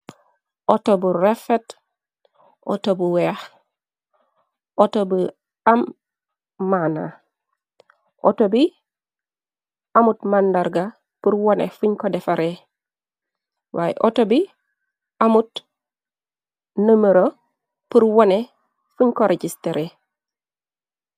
Outo bu refet auto bu weex auto bi am maana auto bi amut màndarga për wone fuñ ko defaree waaye auto bi amut nemero pur wone fuñ ko rejistaree.